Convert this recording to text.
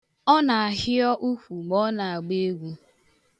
Ọ na-ahịọ ukwu ma ọ na-agba egwu.